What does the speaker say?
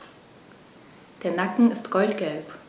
Der Nacken ist goldgelb.